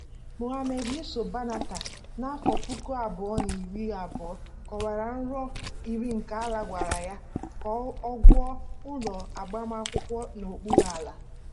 Mohammed Yiso Banatah n'afọ 2012 kọwara nrọ iri nke Allah gwara ya ka ọ gwuo ụlọ agbamakwụkwọ n'okpuru ala.